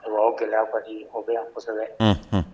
Ayiwa o gɛlɛya face o bɛ yan kosɛbɛ. Unhun!